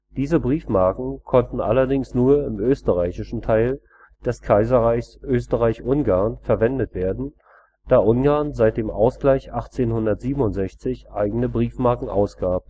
Diese Briefmarken konnten allerdings nur im österreichischen Teil des Kaiserreichs Österreich-Ungarn verwendet werden, da Ungarn seit dem Ausgleich 1867 eigene Briefmarken ausgab